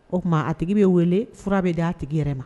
O tuma a tigi bɛ wele fura bɛ d a tigi yɛrɛ ma